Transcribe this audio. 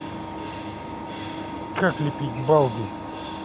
как лепить балди